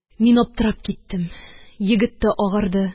Мин аптырап киттем. Егет тә агарды